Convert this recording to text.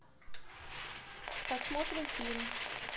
посмотрим фильм